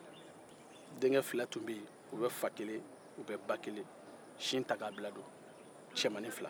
denkɛ fila tun bɛ yen u be fa kelen u be ba kelen sintakabila don cɛmannin fila